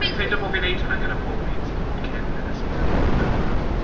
Dwi'n ffeindio bod fi'n wneud hwna gyda pob un sy 'di bod cyn y season ni'n gwylio nawr if that makes sense?